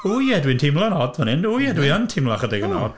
W, ie dwi'n teimlo'n od fan hyn. O, ie, dwi yn teimlo ychydig yn od. O!